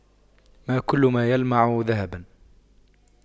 ما كل ما يلمع ذهباً